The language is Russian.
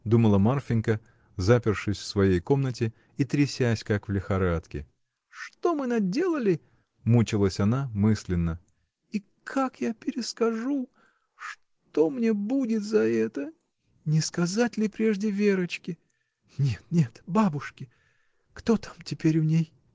— думала Марфинька, запершись в своей комнате и трясясь, как в лихорадке. — Что мы наделали! — мучилась она мысленно. — И как я перескажу. что мне будет за это. Не сказать ли прежде Верочке. Нет, нет — бабушке! Кто там теперь у ней?.